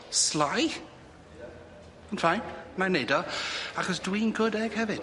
Slei. Yn ffein. Wna'i neud o. Achos dwi'n good egg hefyd.